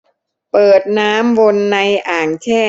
เปิดน้ำวนในอ่างแช่